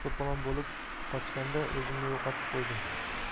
to'polon bo'lib qochganda o'zimni yo'qotib qo'ydim